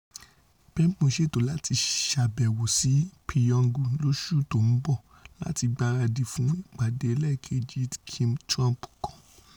Pompeo ńṣètò láti ṣàbẹ̀wò sí Pyongyang lóṣù tó ń bọ láti gbaradì fún ìpàdé ẹlẹ́ẹ̀kejì Kim-Trump kan.